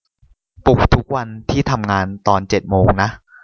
ปลุกทุกวันที่ทำงานตอนเจ็ดโมงนะ